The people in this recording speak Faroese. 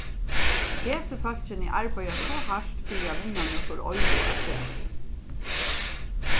hesi fólkini arbeiða so hart fyri at vinna nøkur oyru afturat